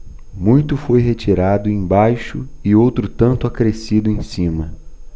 muito foi retirado embaixo e outro tanto acrescido em cima